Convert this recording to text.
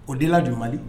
O de la ju mali